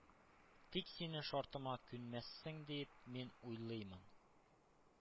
Тик сине шартыма күнмәссең диеп мин уйлыймын.